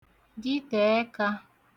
dite ẹkā